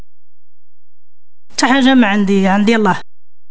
تعال عندي عندي